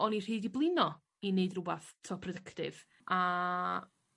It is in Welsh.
oni rhy 'di blino i neud rwbath t'o' productive a